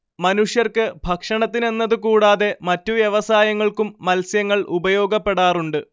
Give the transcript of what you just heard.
മനുഷ്യർക്ക് ഭക്ഷണത്തിനെന്നതുകൂടാതെ മറ്റു വ്യവസായങ്ങൾക്കും മത്സ്യങ്ങൾ ഉപയോഗപ്പെടാറുണ്ട്